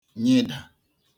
nyịdà